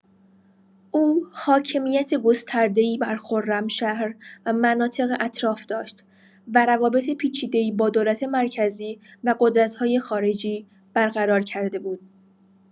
او حاکمیت گسترده‌ای بر خرمشهر و مناطق اطراف داشت و روابط پیچیده‌ای با دولت مرکزی و قدرت‌های خارجی برقرار کرده بود.